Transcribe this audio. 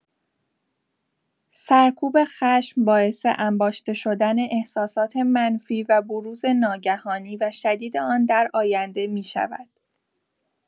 سرکوب خشم باعث انباشته شدن احساسات منفی و بروز ناگهانی و شدید آن در آینده می‌شود.